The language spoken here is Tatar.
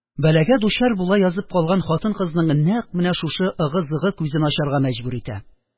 Бәлагә дучар була язып калган хатын-кызны нәкъ менә шушы ыгы-зыгы күзен ачарга мәҗбүр итә